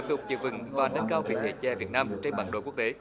tục giữ vững và nâng cao vị thế chè việt nam trên bản đồ quốc tế